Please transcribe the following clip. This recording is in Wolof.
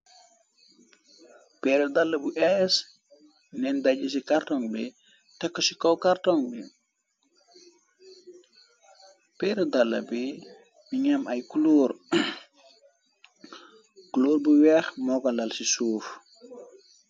Pèrr daal la bi ès neen daji ci carton bi tekk ko carton bi, pèrre dalla bi mungi am ay cloor, coloor bu weeh ko lal ci suuf.